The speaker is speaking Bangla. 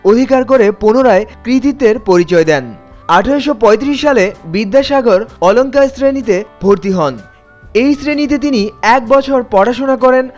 অধিকার করে পুনরায় কৃতিত্বের পরিচয় দেন 1835 সালে বিদ্যাসাগর অলংকার শ্রেণীতে ভর্তি হন এই শ্রেণীতে তিনি এক বছর পড়াশোনা করেন